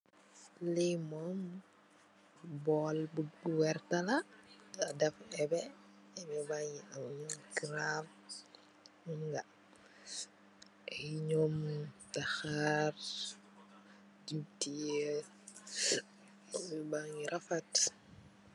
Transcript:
Bool bu werta la, mugeh dèf ebeh, ebeh baggi am karap, am daxaar, ebeh baggi rafet.